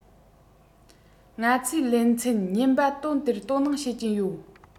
ང ཚོས ལེ ཚན ཉེན པ དོན དེར དོ སྣང བྱེད ཀྱིན ཡོད